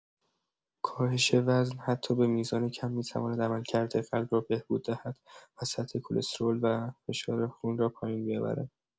کاهش وزن حتی به میزان کم می‌تواند عملکرد قلب را بهبود دهد و سطح کلسترول و فشار خون را پایین بیاورد.